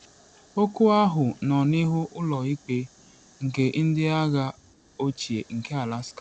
Okwu ahụ nọ n’ihu Ụlọ Ikpe nke Ndị Agha Ochie nke Alaska.